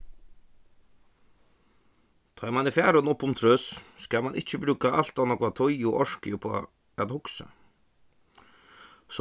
tá ið mann er farin upp um trýss skal man ikki brúka alt ov nógva tíð og orku upp á at hugsa